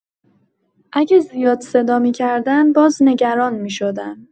اگه زیاد صدا می‌کردن، باز نگران می‌شدم.